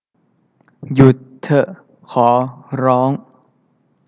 หยุดเถอะขอร้อง